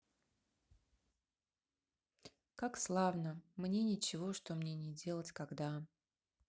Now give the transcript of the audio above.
как славно мне ничего что мне не делать когда